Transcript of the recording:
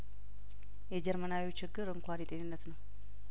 የጀርመናዊው ችግር እንኳን የጤንነት ነው